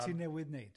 Ti newydd wneud.